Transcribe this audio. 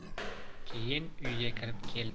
keyin uyga kirib kedim